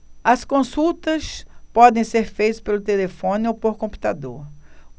as consultas podem ser feitas por telefone ou por computador